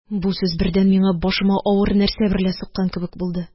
Бу сүз бердән миңа башыма авыр нәрсә берлә суккан кебек булды.